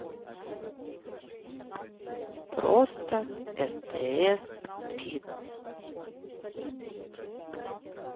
просто стс кидс